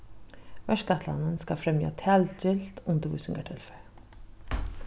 verkætlanin skal fremja talgilt undirvísingartilfar